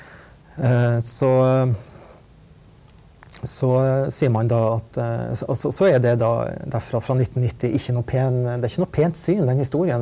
så så sier man da at altså så er det da derfra fra 1990 ikke noe det er ikke noe pent syn den historien.